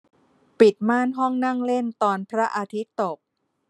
ปิดม่านห้องนั่งเล่นตอนพระอาทิตย์ตก